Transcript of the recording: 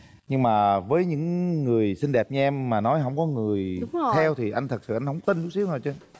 nhưng mà với những người xinh đẹp như em mà nói hổng có người theo thì anh thực sự anh hổng tin chút xíu nào hết trơn